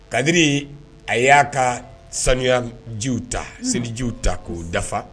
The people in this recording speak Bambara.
Kadiri a y'a ka sanuyajiw ta selijiw ta k'o dafa